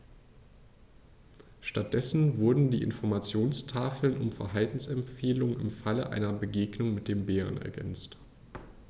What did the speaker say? Stattdessen wurden die Informationstafeln um Verhaltensempfehlungen im Falle einer Begegnung mit dem Bären ergänzt.